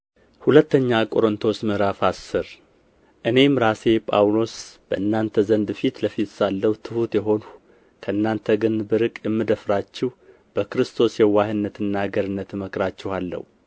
ሁለተኛ ቆሮንቶስ ምዕራፍ አስር እኔም ራሴ ጳውሎስ በእናንተ ዘንድ ፊት ለፊት ሳለሁ ትሑት የሆንሁ ከእናንተ ግን ብርቅ የምደፍራችሁ በክርስቶስ የዋህነትና ገርነት እመክራችኋለሁ